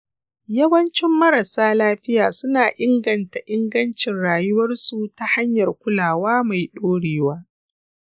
yawancin marasa lafiya suna inganta ingancin rayuwarsu ta hanyar kulawa mai dorewa.